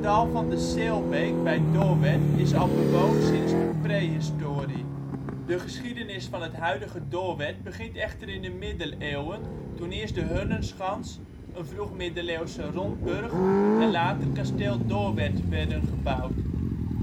dal van de Seelbeek bij Doorwerth is al bewoond sinds de prehistorie. De geschiedenis van het huidige Doorwerth begint echter in de Middeleeuwen toen eerst de Hunnenschans, een vroeg middeleeuwsse rondburcht, en later Kasteel Doorwerth werden gebouwd.